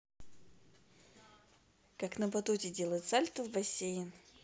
как на батуте делает сальто в бассейн